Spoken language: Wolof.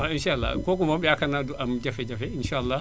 waaw insaa àllaa kooku moom yaakaar naa du am jafe-jafe insaa àllaa